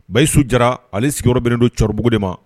Bayi su jara ale sigiyɔrɔ bɛnen don cɛkɔrɔbabugu de ma